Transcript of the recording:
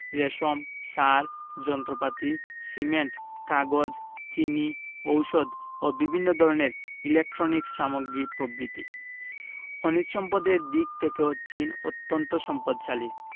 রেশম সার যন্ত্রপাতি সিমেন্ট কাগজ চিনি ঔষধ ও বিভিন্ন ধরনের ইলেকট্রনিক্স সামগ্রী প্রভ্রিতি খনিজ সম্পদের দিক থেকেও চীন অত্যান্ত সম্পদশালী